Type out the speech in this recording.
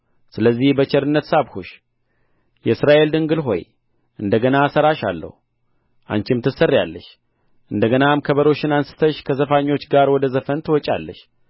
ስለዚህ በቸርነት ሳብሁሽ የእስራኤል ድንግል ሆይ እንደ ገና እሠራሻለሁ አንቺም ትሠሪያለሽ እንደ ገናም ከበሮሽን አንሥተሽ ከዘፋኞች ጋር ወደ ዘፈን ትወጫለሽ